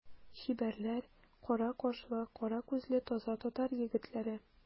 Чибәрләр, кара кашлы, кара күзле таза татар егетләре.